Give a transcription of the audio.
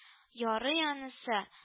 Ярый анысы